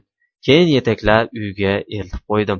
keyin yetaklab uyiga eltib qo'ydim